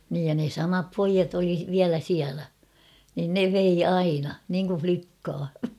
niin ja ne samat pojat oli vielä siellä niin ne vei aina niin kuin likkaa